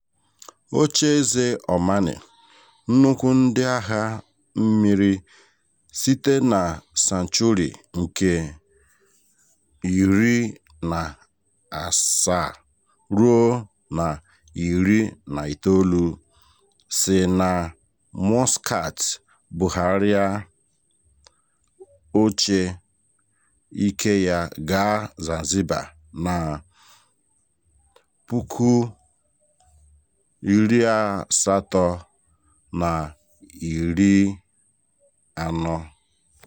Ocheeze Omani, "nnukwu ndị agha mmiri site na senchuri nke 17 ruo 19, si na Muscat bugharịa oche ike ya gaa Zanzibar na 1840.